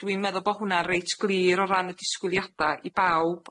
dwi'n meddwl bo' hwn'na reit glir o ran y disgwyliada i bawb